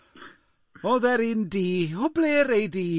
Oedd dderyn du, o ble rei di?